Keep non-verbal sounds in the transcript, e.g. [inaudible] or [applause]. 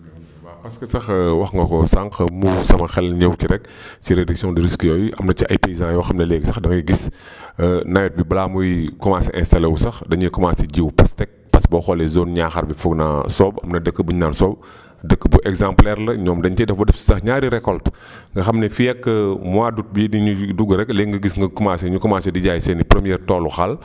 [hesitation] [hesitation] bu baax parce que sax [hesitation] wax nga ko sànq mu sama xel ñëw si rekk [inhales] si réduction des risques yooyu am na ci ay paysans yoo xam ne léegi sax da ngay gis [breath] [hesitation] nawet bi balaa muy commencé installé wu sax dañuy commencé jiwu pastèque parce que boo xoolee zone Niakhare bi foog naa Sobe am na dëkk bu ñu naan Sobe [breath] dëkk ba exemplaire la ñoom dañ cay def ba def si sax ñaari récoltes [breath] nga xam ne fii ak [hesitation] mois d' aôut bi ni dugg rekk léegi nga gis nga commencé nga commencé di jaay seen i premières toolu xaal